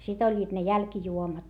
sitten olivat ne jälkijuomat